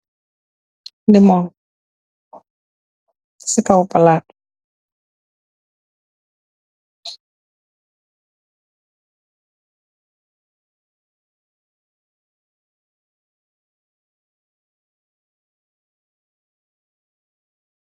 Limong ci kaw palaat.